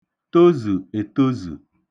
tozə̀ ètozə̀